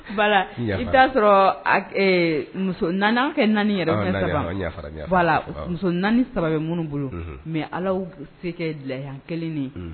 Voila i bɛ t'a sɔrɔ a ɛɛ muso 4, an k'a kɛ 4 yɛrɛ, filɛ ka ban. voila muso 4,3 bɛ minnu bolo. Unhun! mais Ala nana n'a y'u se kɛ lahiya 1 de ye. N yafa la n yafa la Un!